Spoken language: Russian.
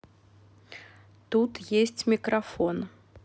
тут есть микрофон